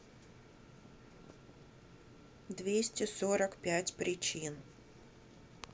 двести сорок пять причин